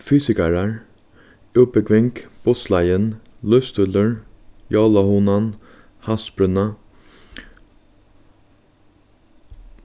fysikarar útbúgving bussleiðin lívsstílur jólahugnan havsbrúnna